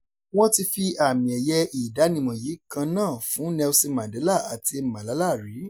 Wọ́n ti fi àmì-ẹ̀yẹ ìdánimọ̀ yìí kan náà fún Nelson Mandela àti Malala rí.